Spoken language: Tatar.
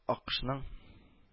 Аккошның